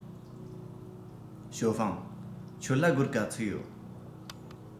ཞའོ ཧྥང ཁྱོད ལ སྒོར ག ཚོད ཡོད